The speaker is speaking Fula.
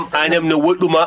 Agnam no woɗɗumaa